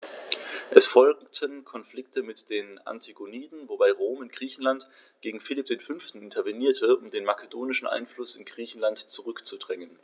Es folgten Konflikte mit den Antigoniden, wobei Rom in Griechenland gegen Philipp V. intervenierte, um den makedonischen Einfluss in Griechenland zurückzudrängen.